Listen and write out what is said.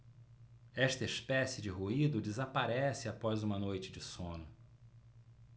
esta espécie de ruído desaparece após uma noite de sono